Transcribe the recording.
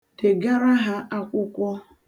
Degara ha akwụkwọ.